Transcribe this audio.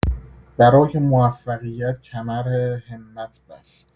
برای موفقیت کمر همت بست.